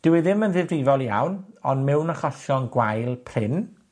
dyw e ddim yn ddifrifol iawn, ond mewn achosion gwael, prin